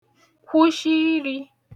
kwụshị irī